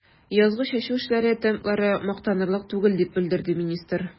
Язгы чәчү эшләре темплары мактанырлык түгел, дип белдерде министр.